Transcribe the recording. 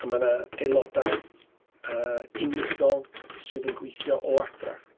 A ma' 'na aelodau, yy, unigol sydd yn gweithio o adra.